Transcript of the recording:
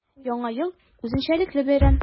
Яңа ел – үзенчәлекле бәйрәм.